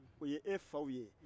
u y'e faw ye